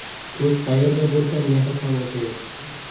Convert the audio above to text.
ko'z qayerda bo'lsa mehr ham o'sha yerda